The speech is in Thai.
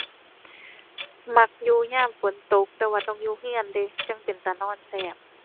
มักอยู่ยามฝนตก แต่ว่าต้องอยู่เรือนเดะจั่งเป็นตานอนแซ่บ